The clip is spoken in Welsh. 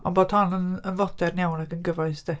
Ond bod hon yn yn fodern iawn ac yn gyfoes de.